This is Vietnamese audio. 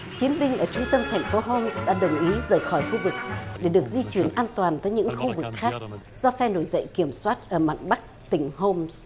chiến binh ở trung tâm thành phố hôm đã đồng ý rời khỏi khu vực để được di chuyển an toàn với những khu vực khác do phe nổi dậy kiểm soát ở mạn bắc tỉnh hôm